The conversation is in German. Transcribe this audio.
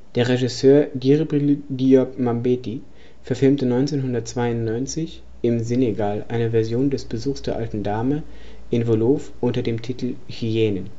Der Regisseur Djibril Diop Mambéty verfilmte 1992 im Senegal eine Version des Besuchs der alten Dame in Wolof unter dem Titel Hyänen